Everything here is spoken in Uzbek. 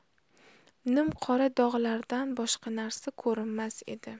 nim qora dog'lardan boshqa narsa ko'rinmas edi